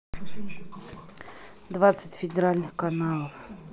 двадцать федеральных каналов